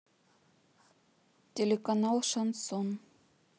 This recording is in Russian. телеканал шансон